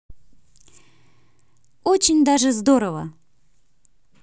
очень даже здорово